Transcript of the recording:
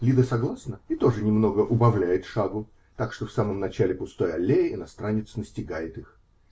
Лида согласна и тоже немного убавляет шагу, так что в самом начале пустой аллеи иностранец настигает их.